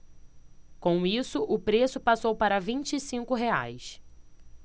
com isso o preço passou para vinte e cinco reais